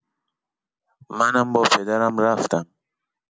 منم با پدرم رفتم.